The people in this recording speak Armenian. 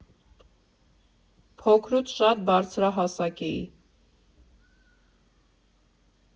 Փոքրուց շատ բարձրահասակ էի.